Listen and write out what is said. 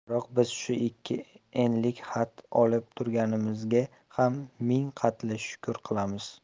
biroq biz shu ikki enlik xat olib turganimizga ham ming qatla shukr qilamiz